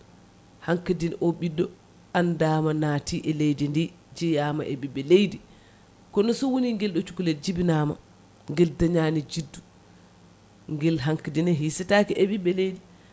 hankkadine o ɓiɗɗo andama naati e leydi ndi jeeyama e ɓiɓɓe leydi kono sowoni guel cuklel jibinama gule dañani juddu guel hankkadine hisetake e ɓiɓɓe leydi